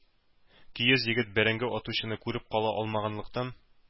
Көяз егет, бәрәңге атучыны күреп кала алмаганлыктан,